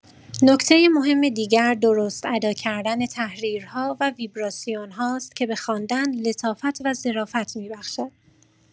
نکته مهم دیگر درست ادا کردن تحریرها و ویبراسیون‌هاست که به خواندن لطافت و ظرافت می‌بخشند.